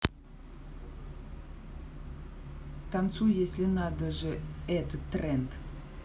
танцуй если надо же этот тренд